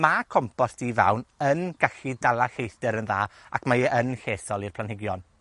ma' compost di-fawn yn gallu dala lleithder yn dda, ac mae e yn llesol i'r planhigion.